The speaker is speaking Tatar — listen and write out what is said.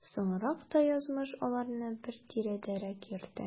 Соңрак та язмыш аларны бер тирәдәрәк йөртә.